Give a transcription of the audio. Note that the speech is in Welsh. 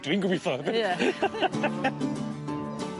Dwi'n gobitho hefyd. Ie.